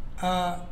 Hɔn